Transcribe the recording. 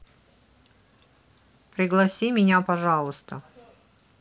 пригласи меня пожалуйста